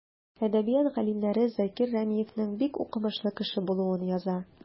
Әдәбият галимнәре Закир Рәмиевнең бик укымышлы кеше булуын яза.